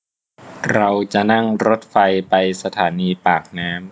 เราจะนั่งรถไฟไปสถานีปากน้ำ